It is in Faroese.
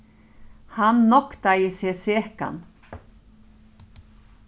hann noktaði seg sekan